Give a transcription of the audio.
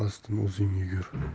orqasidan o'zing yugur